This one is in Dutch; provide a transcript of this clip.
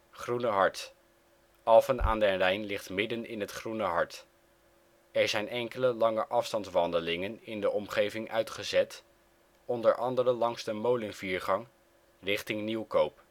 Groene Hart: Alphen aan den Rijn ligt midden in het Groene Hart. Er zijn enkele langeafstandswandelingen in de omgeving uitgezet, onder andere langs de molenviergang richting Nieuwkoop